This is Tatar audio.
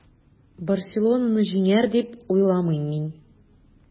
“барселона”ны җиңәр, дип уйламыйм мин.